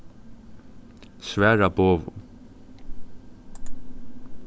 svara boðum